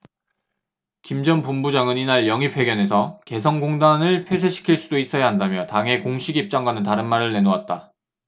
김 전 본부장은 이날 영입 회견에서 개성공단을 폐쇄시킬 수도 있어야 한다며 당의 공식 입장과 다른 말을 내놓았다